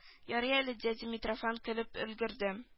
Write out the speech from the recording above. Ярый әле дядя митрофан килеп өлгерде